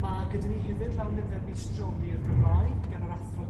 Ma' gyda ni hefyd lawlyfyr meistrioli'r Gymraeg gan yr Athro...